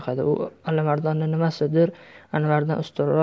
u alimardonning nimasidir anvardan ustunroq